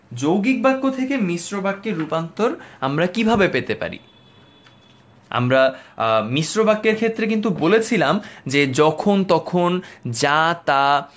যৌগিক বাক্য থেকে মিশ্র বাক্যে রূপান্তর আমরা কিভাবে পেতে পারি আমরা মিশ্র বাক্যের ক্ষেত্রে কিন্তু বলেছিলাম যখন তখন যা তা